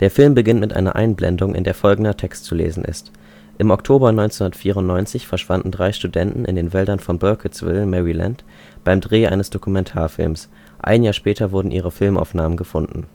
Film beginnt mit einer Einblendung, in der folgender Text zu lesen ist: Im Oktober 1994 verschwanden drei Studenten in den Wäldern von Burkittsville, Maryland, beim Dreh eines Dokumentarfilms. Ein Jahr später wurden ihre Filmaufnahmen gefunden